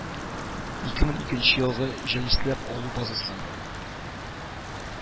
Ике мең икенче елгы җанисләп алу базасы